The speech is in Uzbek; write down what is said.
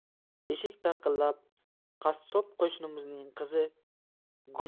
eshik taqillab qassob qo'shnimizning